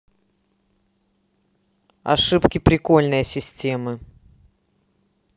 ошибки прикольные системы